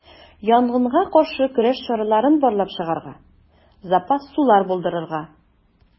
Янгынга каршы көрәш чараларын барлап чыгарга, запас сулар булдырырга.